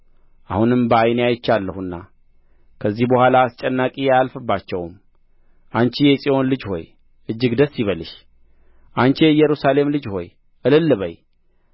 አሁንም በዓይኔ አይቻለሁና ከዚህ በኋላ አስጨናቂ አያልፍባቸውም አንቺ የጽዮን ልጅ ሆይ እጅግ ደስ ይበልሽ አንቺ የኢየሩሳሌም ልጅ ሆይ እልል በዪ